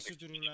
voilà